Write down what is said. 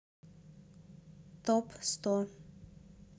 топ сто